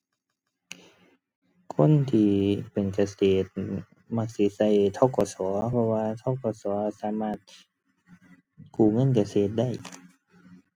คนที่เป็นเกษตรมักสิใช้ ธ.ก.ส. เพราะว่า ธ.ก.ส. สามารถกู้เงินเกษตรได้